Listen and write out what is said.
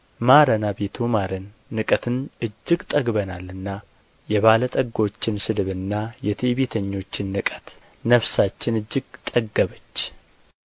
ማረን አቤቱ ማረን ንቀትን እጅግ ጠግበናልና የባለጠጎች ስድብና የትዕቢተኞችን ንቀት ነፍሳችን እጅግ ጠገበች